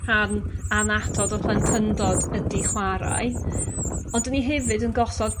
rhan annatod o plentyndod ydy chwarae, ond 'dyn ni hefyd yn gosod